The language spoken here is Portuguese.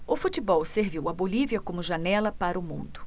o futebol serviu à bolívia como janela para o mundo